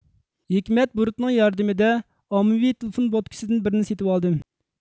ھېكمەت بۇرۇتنىڭ ياردىمىدە ئاممىۋى تېلېفون بوتكىسىدىن بىرنى سېتىۋالدىم